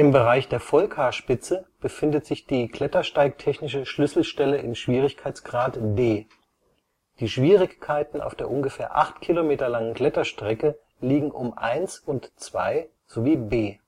Bereich der Vollkarspitze befindet sich die klettersteigtechnische Schlüsselstelle (D). Die Schwierigkeiten auf der ungefähr acht Kilometer langen Kletterstrecke liegen um I und II sowie B.